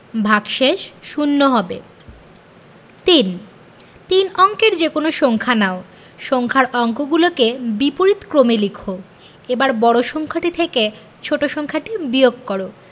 ভাগশেষ শূন্য হবে ৩ তিন অঙ্কের যেকোনো সংখ্যা নাও সংখ্যার অঙ্কগুলোকে বিপরীতক্রমে লিখ এবার বড় সংখ্যাটি থেকে ছোট সংখ্যাটি বিয়োগ কর